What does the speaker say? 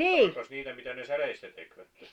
mutta olikos niitä mitä ne säleistä tekivät